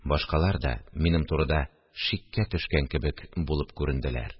Башкалар да минем турыда шиккә төшкән кебек булып күренделәр